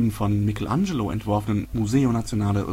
von Michelangelo entworfenen Museo Nazionale